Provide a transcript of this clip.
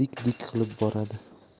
dik dik qilib boradi